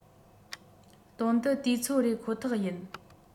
དོན དུ དུས ཚོད རེད ཁོ ཐག ཡིན